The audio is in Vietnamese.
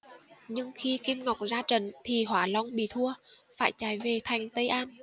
nhưng khi kim ngọc ra trận thì hóa long bị thua phải chạy về thành tây an